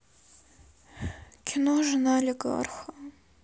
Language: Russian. кино жена олигарха